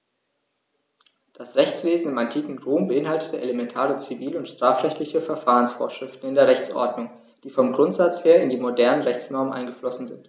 Das Rechtswesen im antiken Rom beinhaltete elementare zivil- und strafrechtliche Verfahrensvorschriften in der Rechtsordnung, die vom Grundsatz her in die modernen Rechtsnormen eingeflossen sind.